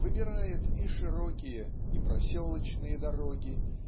выбирает и широкие и проселочные дороги